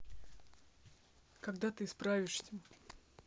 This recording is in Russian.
когда ты исправишься